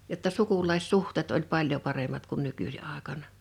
jotta sukulaissuhteet oli paljon paremmat kuin nykyisin aikana